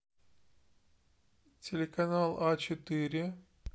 телеканал а четыре